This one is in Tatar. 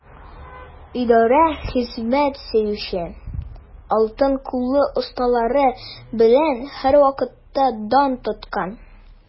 Идарә хезмәт сөюче, алтын куллы осталары белән һәрвакыт дан тоткан.